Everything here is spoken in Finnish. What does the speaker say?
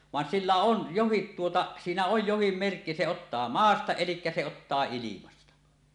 vaan sillä on jokin tuota siinä on jokin merkki se ottaa maasta eli se ottaa ilmasta